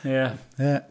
Ie... Ie.